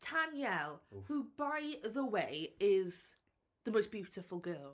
Tanyel, who by the way, is the most beautiful girl.